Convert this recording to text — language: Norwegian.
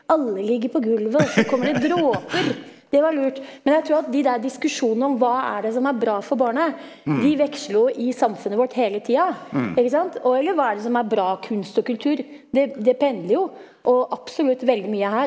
alle ligger på gulvet også kommer det dråper, det var lurt, men jeg tror at de der diskusjonene om hva er det som er bra for barnet, de veksler jo i samfunnet vårt hele tida ikke sant og eller hva er det som er bra kunst og kultur, det det pendler jo og absolutt veldig mye her.